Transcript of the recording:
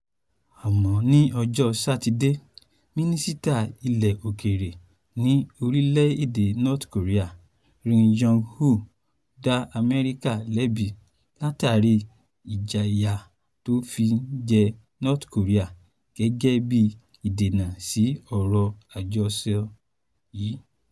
Àmọ́ ní ọjọ́ Sátidé, Mínísítà ilẹ̀-òkèèrè ní orílẹ̀-èdè North Korea, Ri Yong-ho, dá Amẹ́ríkà lẹ́bi látàrí ìjìyà tó fi ń jẹ North Korea gẹ́gẹ́ bí ìdènà sí ọ̀rọ̀ àjọsọ yìí.